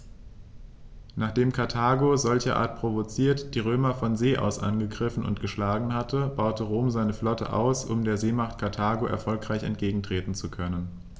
Nachdem Karthago, solcherart provoziert, die Römer von See aus angegriffen und geschlagen hatte, baute Rom seine Flotte aus, um der Seemacht Karthago erfolgreich entgegentreten zu können.